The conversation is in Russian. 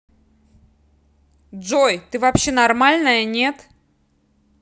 джой ты вообще нормальная нет